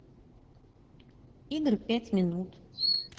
игры пять минут